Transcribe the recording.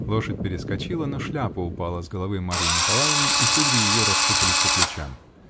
Лошадь перескочила -- но шляпа упала с головы Марьи Николаевны, кудри ее рассыпались по плечам.